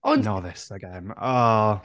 Ond... Not this again.